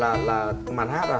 là là màn hát à